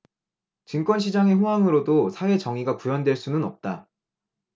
증권 시장의 호황으로도 사회 정의가 구현될 수는 없다